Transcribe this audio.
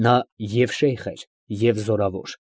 Նա և՛ շեյխ էր, և՛ զորավոր։